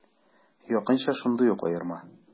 Якынча шундый ук аерма.